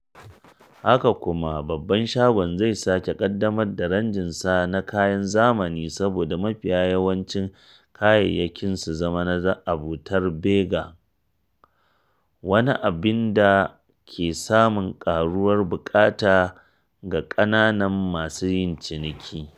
Haka kuma babban shagon zai sake ƙaddamar da ranjinsa na kayan zamani saboda mafi yawancin kayayyakin su zama na abotar vegan - wani abin da ke samun ƙaruwar buƙata ga kananan masu yin ciniki.